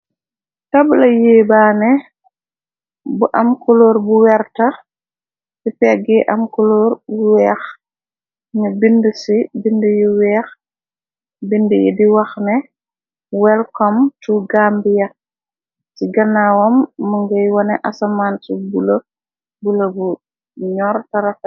tabala yi baane bu am kolóor bu weerta ci pegg yi am koloor bu weex nu bind ci bind yu weex bind yi di wax ne welkom cu gambiyek ci ganawam mu ngay wone asaman cu bula bula bu ñyor tarafet